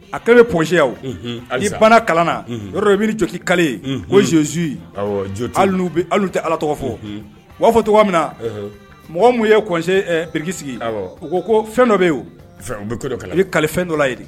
A kɛlen Pongé yan o unhun halisa ni bana kalan na unhun yɔrɔ dɔ i bi n'i jɔ k'i caller ye unhun ko Jésus awɔ jo ti ali n'u be ali n'u te Ala tɔgɔ fɔ unhun u b'a fɔ togoya min na unhun mɔgɔ mun ye congé ɛ brique sigi awɔ u ko koo fɛn dɔ bɛ ye o fɛn u be ko dɔ kalama u y'u kali fɛn dɔ la ye de